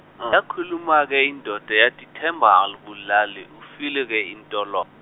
yakhuluma ke indoda yathi ithemba alibulali ufile ke uNtolo-.